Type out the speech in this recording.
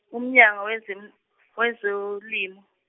UMnyango wezem- wezoLimo.